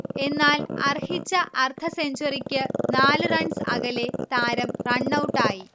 എന്നാൽ അർഹിച്ച അർധസെഞ്ച്വറിക്ക് നാല് റൺസ് അകലെ താരം റണ്ണൗട്ടായി